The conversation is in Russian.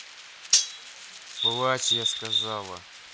плачь я сказала